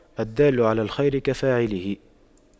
الدال على الخير كفاعله